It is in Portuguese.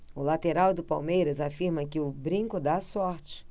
o lateral do palmeiras afirma que o brinco dá sorte